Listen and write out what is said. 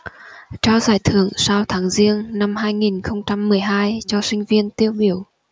trao giải thưởng sao tháng giêng năm hai nghìn không trăm mười hai cho sinh viên tiêu biểu